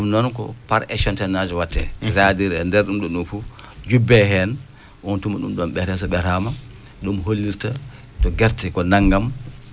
ɗum noon ko par échantillonnage waɗetee c' à dire e ndeer ɗum ɗo ɗum fof jubbee heen oon tuma ɗum ɗon ɓeree so ɓeraama ɗum hollirta to gerte ko nanngam